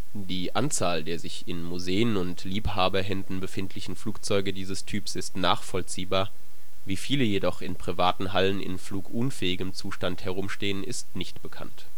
Die Anzahl der sich in Museen und Liebhaberhänden befindlichen Flugzeuge dieses Typs ist nachvollziehbar, wie viele jedoch in privaten Hallen in flugunfähigem Zustand herumstehen ist nicht bekannt